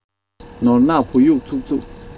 ནོར ནག བུ ཡུག ཚུབ ཚུབ